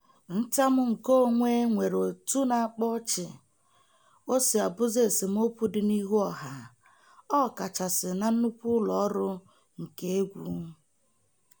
Ntamu nke onwe nwere etu na-akpa ọchị o si abụzị esemokwu dị n'ihu ọha — ọ kachasị na nnukwu ụlọọrụ nke égwú.